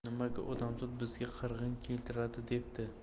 nimaga odamzod bizga qiron keltiradi debdi